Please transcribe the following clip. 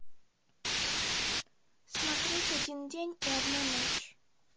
смотреть один день и одна ночь